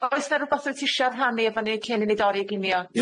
Oes na rwbath wyt ti isio rhannu efo ni cyn i ni dorri i ginio?